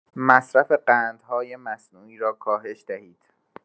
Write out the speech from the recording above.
مصرف قندهای مصنوعی را کاهش دهید.